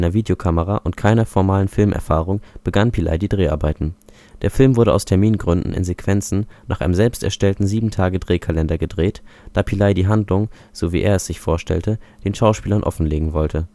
Videokamera und keiner formalen Filmerfahrung begann Peli die Dreharbeiten. Der Film wurde aus Termingründen in Sequenzen nach einem selbst erstellten Sieben-Tage-Drehkalender gedreht, da Peli die Handlung, so wie er sie sich vorstellte, den Schauspielern offenlegen wollte